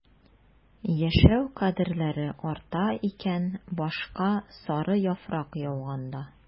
Яшәү кадерләре арта икән башка сары яфрак яуганда...